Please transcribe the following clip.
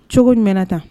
Cogo jumɛn ta